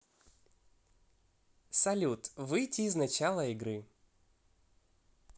салют выйти из начала игры